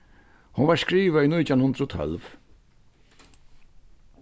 hon varð skrivað í nítjan hundrað og tólv